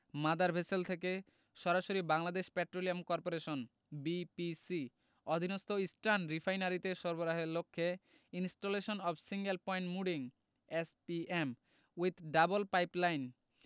mother vessel থেকে সরাসরি Bangladesh Petroleum Corporation BPC অধীনস্থ ইস্টার্ন রিফাইনারিতে সরবরাহের লক্ষ্যে installation of single point mooring SPM with double pipeline